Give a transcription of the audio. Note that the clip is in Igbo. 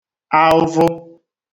aụvụ